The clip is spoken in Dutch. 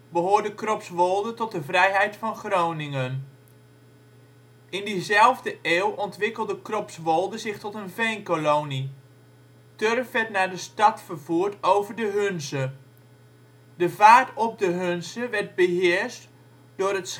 behoorde Kropswolde tot de Vrijheid van Groningen. In diezelfde eeuw ontwikelde Kropswolde zich tot een veenkolonie. Turf werd naar de stad vervoerd over de Hunze. De vaart op de Hunze werd beheerst door het